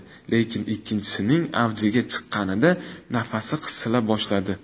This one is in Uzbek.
lekin ikkinchisining avjiga chiqqanida nafasi qisila boshladi